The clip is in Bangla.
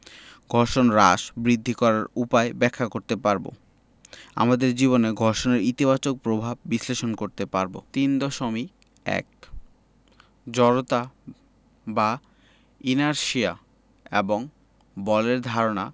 ঘর্ষণ হ্রাস বৃদ্ধি করার উপায় ব্যাখ্যা করতে পারব আমাদের জীবনে ঘর্ষণের ইতিবাচক প্রভাব বিশ্লেষণ করতে পারব ৩.১ জড়তা বা ইনারশিয়া এবং বলের ধারণা